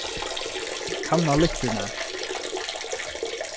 kanna lyktirnar